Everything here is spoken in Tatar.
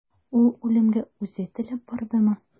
Ул үлемгә үзе теләп бардымы?